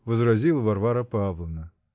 -- возразила Варвара Павловна.